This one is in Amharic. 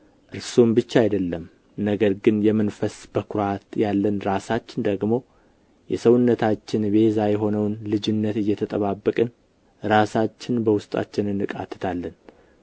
እርሱም ብቻ አይደለም ነገር ግን የመንፈስ በኵራት ያለን ራሳችን ደግሞ የሰውነታችን ቤዛ የሆነውን ልጅነት እየተጠባበቅን ራሳችን በውስጣችን እንቃትታለን